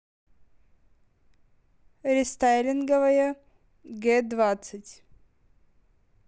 рестайлинговая г двадцать